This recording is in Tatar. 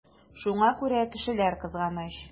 Шуңа күрә кешеләр кызганыч.